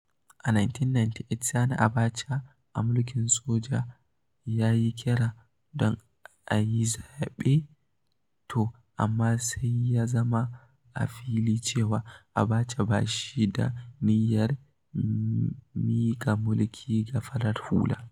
A 1998, Sani Abacha, a mulkin soja, ya yi kira don a yi zaɓe, to amma sai ya zama a fili cewa Abacha ba shi da niyyar miƙa mulki ga farar hula.